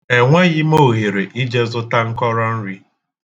Enweghị m ohere ije zụta nkọrọnri.